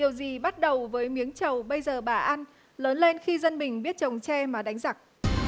điều gì bắt đầu với miếng trầu bây giờ bà ăn lớn lên khi dân mình biết trồng tre mà đánh giặc